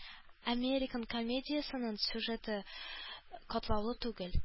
«американ» комедиясенең сюжеты катлаулы түгел.